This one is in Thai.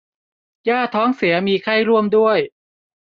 ย่าท้องเสียมีไข้ร่วมด้วย